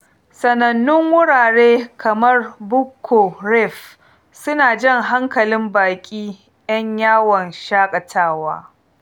Sanannun wurare kamar Buccoo Reef su na jan hankalin baƙi 'yan yawon shaƙatawa.